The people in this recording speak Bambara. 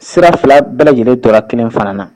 Sira fila bɛɛ lajɛlen tora kelen fana na